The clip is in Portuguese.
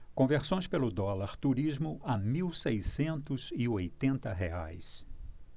conversões pelo dólar turismo a mil seiscentos e oitenta reais